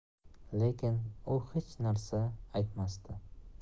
lekin u hech narsa aytmasdi